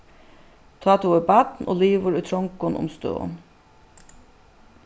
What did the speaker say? tá tú ert barn og livir í trongum umstøðum